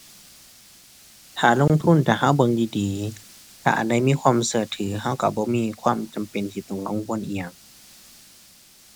ถ้าลงทุนถ้าเราเบิ่งดีดี ถ้าอันใดมีความเราถือเราเราบ่มีความจำเป็นที่ต้องกังวลอิหยัง